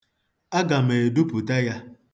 Aga m edupụta ya.